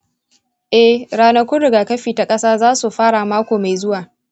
e, ranakun rigakafi ta ƙasa za su fara mako mai zuwa.